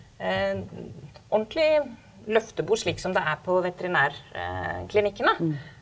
ordentlig løftebord slik som det er på veterinærklinikkene.